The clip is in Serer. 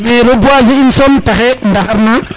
mais reboiser in soom taxe ndaxar na